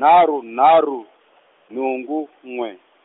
nharhu nharhu, nhungu n'we.